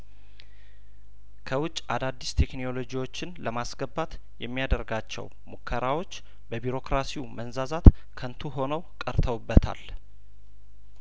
ከውጭ አዳዲስ ቴክኖሎጂዎችን ለማስገባት የሚያደርጋቸው ሙከራዎች በቢሮክራሲው መንዛዛት ከንቱ ሆነው ቀርተውበታል